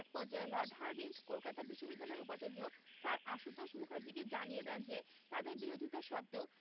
এক পর্যায়ে lord Hardinge Kolkata বিশ্ববিদ্যালয়ের উপাচার্য স্যার আশুতোষ মুখার্জীকে জানিয়ে দেন যে তাঁদের বিরোধিতা সত্ত্বেও